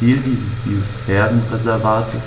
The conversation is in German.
Ziel dieses Biosphärenreservates